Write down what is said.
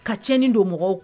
Ka tiɲɛni don mɔgɔw